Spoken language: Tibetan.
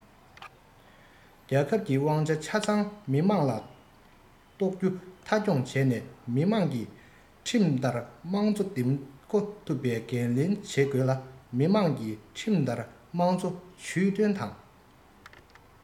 རྒྱལ ཁབ ཀྱི དབང ཆ ཚང མ མི དམངས ལ གཏོགས རྒྱུ མཐའ འཁྱོངས བྱས ནས མི དམངས ཀྱིས ཁྲིམས ལྟར དམངས གཙོ འདེམས བསྐོ ཐུབ རྒྱུའི འགན ལེན བྱེད དགོས ལ མི དམངས ཀྱིས ཁྲིམས ལྟར དམངས གཙོ ཇུས འདོན དང